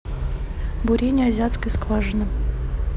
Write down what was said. бурение азиатской скважины